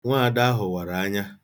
Nwaada ahụ wara anya.